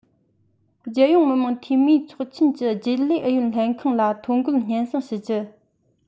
རྒྱལ ཡོངས མི དམངས འཐུས མིའི ཚོགས ཆེན གྱི རྒྱུན ལས ཨུ ཡོན ལྷན ཁང ལ ཐོ འགོད སྙན སེང ཞུ རྒྱུ